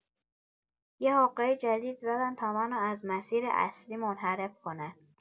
یه حقه جدید زدن تا منو از مسیر اصلی منحرف کنن.